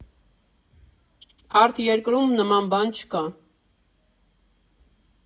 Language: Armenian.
Արտերկրում նման բան չկա։